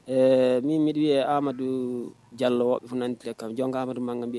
Ɛɛ min miri ye amadu jalɔ fana kan jɔn ha amadu man bi